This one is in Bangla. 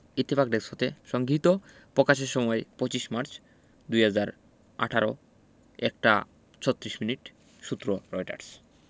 ইত্তেফাক ডেস্ক হতে সংগিহীত পকাশের সময় ২৫মার্চ ২০১৮ ১ টা ৩৬ মিনিট সূত্রঃ রয়টার্স